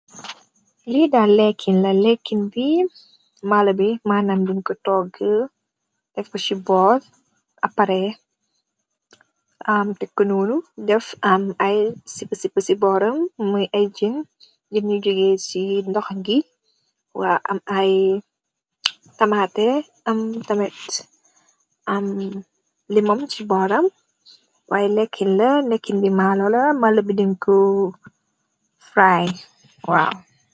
Li amb lekke la lekke wee am mallo la wung e deff ci boll